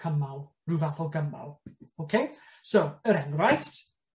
cymal ryw fath o gymal oce? So er enghraifft